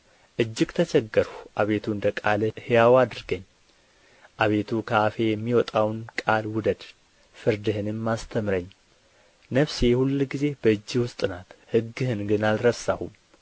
እጅግ ተቸገርሁ አቤቱ እንደ ቃልህ ሕያው አድርገኝ አቤቱ ከአፌ የሚወጣውን ቃል ውደድ ፍርድህንም አስተምረኝ ነፍሴ ሁልጊዜ በእጅህ ውስጥ ናት ሕግህን ግን አልረሳሁም